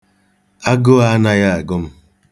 Agụụ anaghị agụ m.